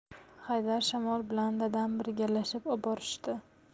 haydar shamol bilan dadam birgalashib oborishdi